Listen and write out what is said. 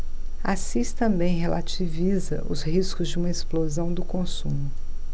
assis também relativiza os riscos de uma explosão do consumo